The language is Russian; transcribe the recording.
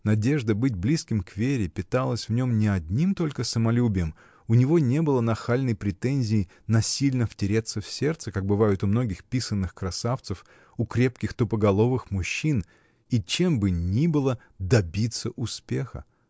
Надежда быть близким к Вере питалась в нем не одним только самолюбием: у него не было нахальной претензии насильно втереться в сердце, как бывает у многих писаных красавцев, у крепких, тупоголовых мужчин, и — чем бы ни было — добиться успеха.